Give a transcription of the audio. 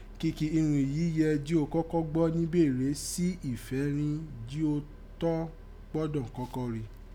Kìkì irun yìí yẹ jí ó kọ́kọ́ gbọ́ nibé rèé si ìfẹ́ rin jin ó tọ́n gbọ́dọ̀ kọ́kọ́ rí.